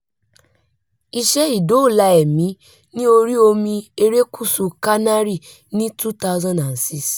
Iṣẹ́ ìdóòlà-ẹ̀mí ní oríi omi Erékùsù Canary ní 2006.